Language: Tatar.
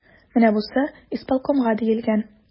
Менә бусы исполкомга диелгән.